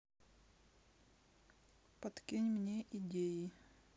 подкинь мне идеи